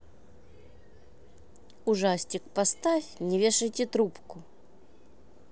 ужастик поставь не вешайте трубку